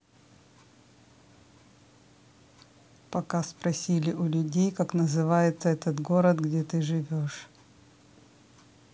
пока спросили у людей как называется этот город где ты живешь